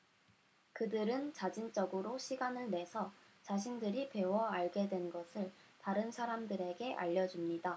그들은 자진적으로 시간을 내서 자신들이 배워 알게 된 것을 다른 사람들에게 알려 줍니다